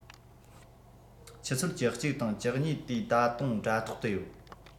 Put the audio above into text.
ཆུ ཚོད བཅུ གཅིག དང བཅུ གཉིས དུས ད དུང དྲ ཐོག ཏུ ཡོད